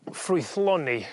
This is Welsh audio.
ffrwythloni